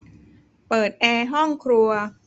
เปิดแอร์ห้องครัว